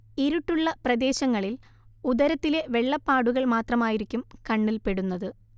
ഇരുട്ടുള്ള പ്രദേശങ്ങളിൽ ഉദരത്തിലെ വെള്ളപ്പാടുകൾ മാത്രമായിരിക്കും കണ്ണിൽപ്പെടുന്നത്